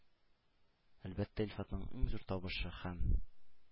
Әлбәттә, Илфатның иң зур табышы һәм